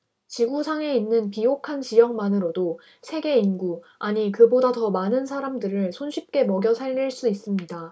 지구 상에 있는 비옥한 지역만으로도 세계 인구 아니 그보다 더 많은 사람들을 손쉽게 먹여 살릴 수 있습니다